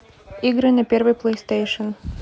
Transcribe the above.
игры на первый плейстейшн